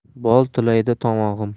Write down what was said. bol tilaydi tomog'im